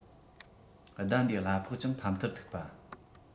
ཟླ འདིའི གླ ཕོགས ཀྱང ཕམ མཐར ཐུག པ